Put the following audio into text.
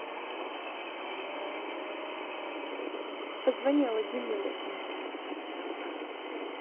позвони аладдин милохин